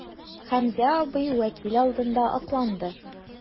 Хәмзә абый вәкил алдында акланды.